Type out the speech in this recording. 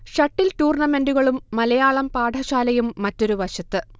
shuttle ടൂർണമെന്റുകളും മലയാളം പാഠശാലയും മറ്റൊരു വശത്ത്